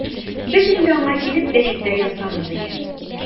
Без инде аңа килеп тә җитә язганбыз икән.